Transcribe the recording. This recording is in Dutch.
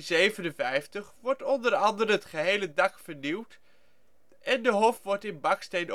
1757 wordt onder andere het gehele dak vernieuwd en de hof wordt in baksteen